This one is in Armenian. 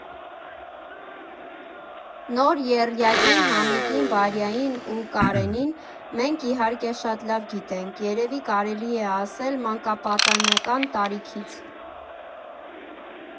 Նոր եռյակին՝ Հասմիկին, Վարյային ու Կարենին, մենք իհարկե շատ լավ գիտենք, երևի կարելի է ասել՝ մանկապատենական տարիքից։